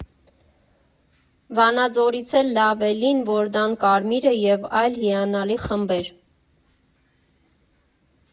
Վանաձորից էլ «Լավ Էլին», «Որդան Կարմիրը» և այլ հիանալի խմբեր։